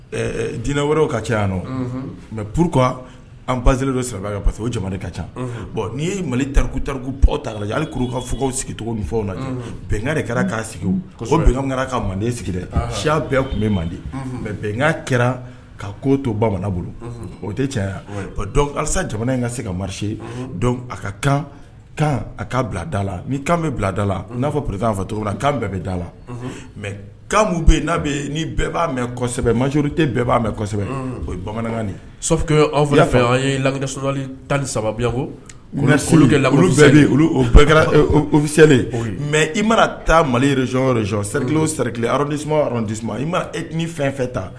Jinɛinɛ wɛrɛw ka caya mɛ p an baz dɔ ka parce que o jamana ka ca bɔn ni'i ye mali tarikuku ta la ali ka fugw sigicogo min fɔw la bɛnkan de kɛra k' sigi bɛn kɛra ka manden sigi siya bɛɛ tun bɛ mande mɛ bɛnkan kɛra ka ko to bamanan bolo o tɛ cayasa jamana in ka se ka mari a ka kan kan a k ka bila da la ni kan bɛ bilada la n'a fɔ polikan fa cogo laan bɛɛ bɛ da la mɛ kan bɛ n' ni bɛɛ b'a mɛsɛbɛ ma tɛ bɛɛ' mɛnsɛbɛ o ye bamanankan la tanli sabakɔ kolokɛ la bɛɛ bɛ kɛra mɛ i mana taa malirezrile orilerdistis i ma ni fɛn fɛn ta